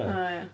O ia.